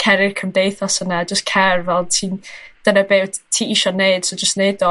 cer i'r cymdeithas yna jys cer fel ti'n... Dyna ti wyt ti isio neud, so jyst neud o.